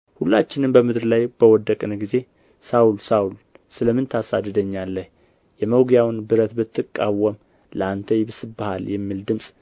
ሁላችንም በምድር ላይ በወደቅን ጊዜ ሳውል ሳውል ስለ ምን ታሳድደኛለህ የመውጊያውን ብረት ብትቃወም ለአንተ ይብስብሃል የሚል ድምፅ